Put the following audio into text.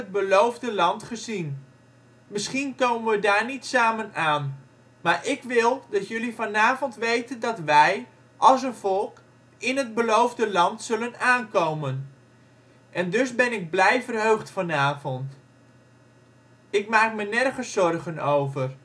Beloofde Land gezien. Misschien komen we daar niet samen aan. Maar ik wil dat jullie vanavond weten dat wij, als een volk, in het Beloofde Land zullen aankomen. En dus ben ik blij verheugd vanavond. Ik maak me nergens zorgen over